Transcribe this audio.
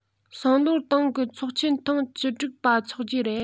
སང ལོར ཏང གི ཚོགས ཆེན ཐེངས བཅུ དྲུག པ འཚོག རྒྱུ རེད